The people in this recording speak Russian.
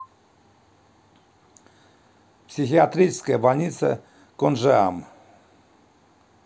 психиатрическая больница конджиам